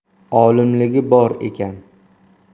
olimligi bor ekan